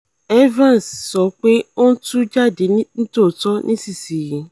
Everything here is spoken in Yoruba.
Evans: ''sọ pé, ó ńtú jáde nítòótọ́ nísinsìnyí!''